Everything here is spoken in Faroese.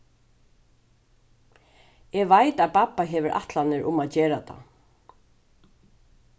eg veit at babba hevur ætlanir um at gera tað